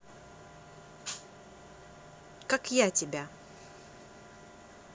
как я тебя